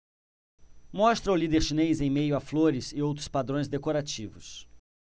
mostra o líder chinês em meio a flores e outros padrões decorativos